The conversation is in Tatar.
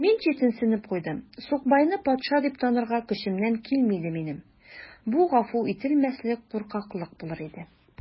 Мин читенсенеп куйдым: сукбайны патша дип танырга көчемнән килми иде минем: бу гафу ителмәслек куркаклык булыр иде.